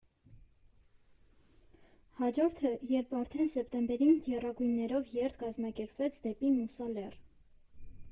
Հաջորդը՝ երբ արդեն սեպտեմբերին եռագույններով երթ կազմակերպվեց դեպի Մուսալեռ։